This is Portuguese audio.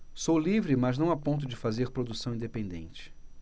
sou livre mas não a ponto de fazer produção independente